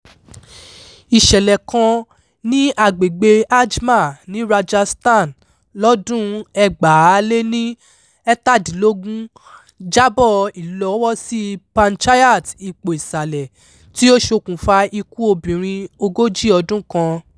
Ìṣẹ̀lẹ̀ kan ní agbègbèe Ajmer ní Rajasthan lọ́dún-un 2017 jábọ̀ ìlọ́wọ́sí panchayat ipò-ìsàlẹ̀ tí ó ṣ'okùnfa ikú obìnrin ogójì ọdún kan.